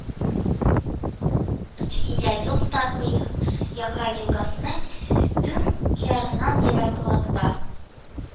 Сидя-Юмб-Тарко-Яха елгасының уң ярыннан ераклыкта